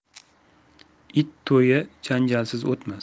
it to'yi janjalsiz o'tmas